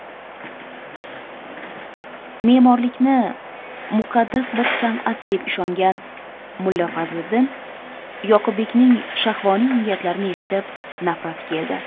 me'morlikni muqaddas bir san'at deb ishongan mulla fazliddin yoqubbekning shahvoniy niyatlarini eshitib nafrati keldi